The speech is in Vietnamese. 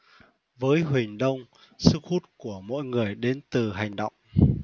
với huỳnh đông sức hút của mỗi người đến từ hành động